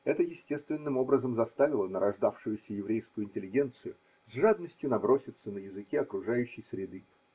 Это естественным образом заставило нарождавшуюся еврейскую интеллигенцию с жадностью наброситься на языки окружающей среды.